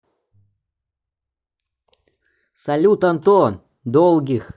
салют антон долгих